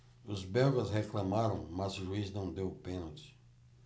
os belgas reclamaram mas o juiz não deu o pênalti